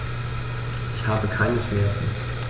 Ich habe keine Schmerzen.